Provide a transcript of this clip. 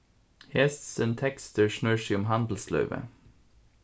hesin tekstur snýr seg um handilslívið